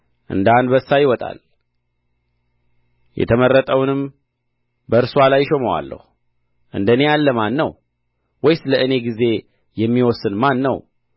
እንደ አንበሳ ይወጣል የተመረጠውንም በእርስዋ ላይ እሾመዋለሁ እንደ እኔ ያለ ማን ነው ወይስ ለእኔ ጊዜ የሚወስን ማን ነው